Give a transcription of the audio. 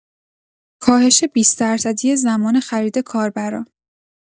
کاهش ۲۰ درصدی زمان خرید کاربران